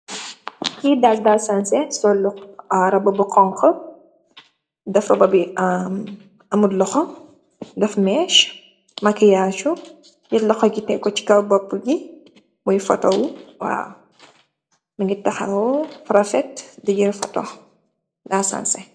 Kii dal Saa sanse, sol roobu bu xoñxu, def roobu bi, amut loxo, def méés, makiyaasu, jël loxo gi tek ko si kow böob gi .fotowu, waaw. Mu ngi taxaw, jël foto, daa sanse